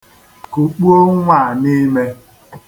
Kukpuo nnwa a n'ime.